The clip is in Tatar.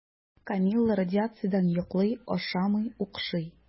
Камилла радиациядән йоклый, ашамый, укшый.